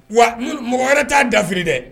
Wa mɔgɔ wɛrɛ taa dafi dɛ